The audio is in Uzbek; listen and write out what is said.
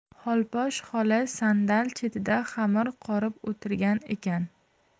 xolposh xola sandal chetida xamir qorib o'tirgan ekan